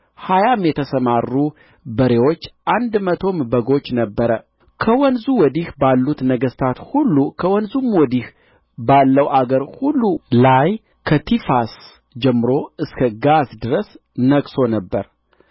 ሀያም የተሰማሩ በሬዎች አንድ መቶም በጎች ነበረ ከወንዙ ወዲህ ባሉት ነገሥታት ሁሉ ከወንዙም ወዲህ ባለው አገር ሁሉ ላይ ከቲፍሳ ጀምሮ እስከ ጋዛ ድረስ ነግሦ ነበር